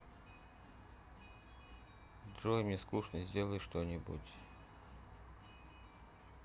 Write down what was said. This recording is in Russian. джой мне скучно сделай что нибудь